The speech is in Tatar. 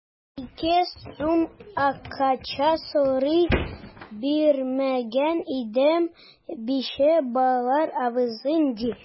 Ике сум акча сорый, бирмәгән идем, бише белән алырбыз, ди.